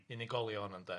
Unigolion ynde?